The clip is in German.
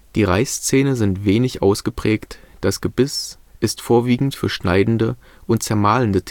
Die Reißzähne sind wenig ausgeprägt, das Gebiss ist vorwiegend für schneidende und zermahlende